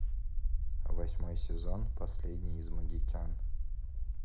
восьмой сезон последний из магикян